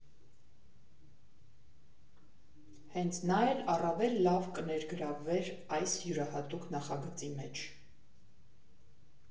Հենց նա էլ առավել լավ կներգրավվեր այս յուրահատուկ նախագծի մեջ։